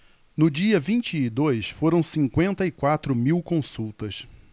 no dia vinte e dois foram cinquenta e quatro mil consultas